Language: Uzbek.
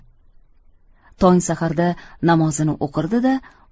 tong saharda namozini o'qirdi da